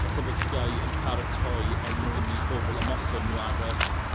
falle bod Sky yn paratoi er mwyn i bobol ymosod n'w ar y